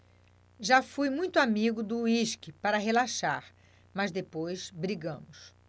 já fui muito amigo do uísque para relaxar mas depois brigamos